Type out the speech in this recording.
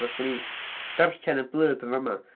Os dan ni'n darllen y blurb yn fan'na.